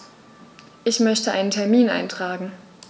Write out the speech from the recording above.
Ich möchte einen Termin eintragen.